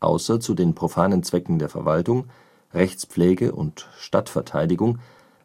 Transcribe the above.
Außer zu den profanen Zwecken der Verwaltung, Rechtspflege und Stadtverteidigung